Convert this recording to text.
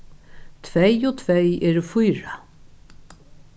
tvey og tvey eru fýra